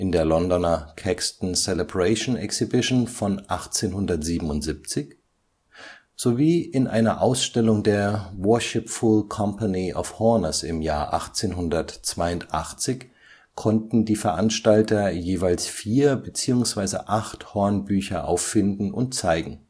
der Londoner Caxton Celebration Exhibition von 1877 sowie in einer Ausstellung der Worshipful Company of Horners im Jahr 1882 konnten die Veranstalter jeweils vier bzw. acht Hornbücher auffinden und zeigen